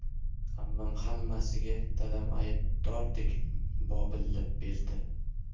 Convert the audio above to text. ammam hammasiga dadam aybdordek bobillab berdi